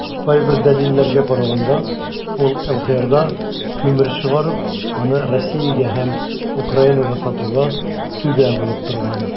Кайбер дәлилләргә караганда, ул ЛХРда күмер чыгарып, аны Россиягә һәм Украинага сатуга "түбә" булып торган.